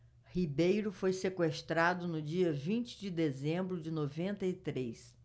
ribeiro foi sequestrado no dia vinte de dezembro de noventa e três